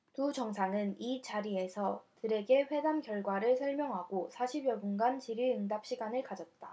두 정상은 이 자리에서 들에게 회담 결과를 설명하고 사십 여분간 질의응답 시간을 가졌다